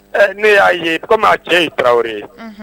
Ne y'a ye ko a cɛ ye tarawele ye